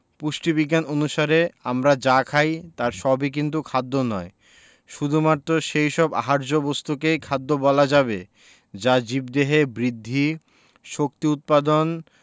পুষ্টিবিজ্ঞান অনুসারে আমরা যা খাই তার সবই কিন্তু খাদ্য নয় শুধুমাত্র সেই সব আহার্য বস্তুকেই খাদ্য বলা যাবে যা জীবদেহে বৃদ্ধি শক্তি উৎপাদন